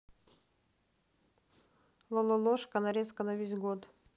лололошка нарезка за весь год